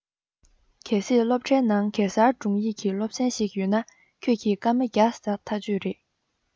གལ སྲིད སློབ གྲྭའི ནང གེ སར སྒྲུང ཡིག གི སློབ ཚན ཞིག ཡོད ན ཁྱོད ཀྱིས སྐར མ བརྒྱ ཟ ཐག གཅོད རེད